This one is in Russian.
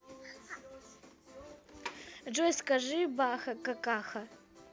джой скажи баха какаха